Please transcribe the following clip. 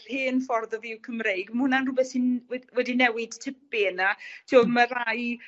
hen ffordd o fyw Cymreig ma' wnna'n rwbeth sy'n we- wedi newid tipyn a t'wo' ma' rai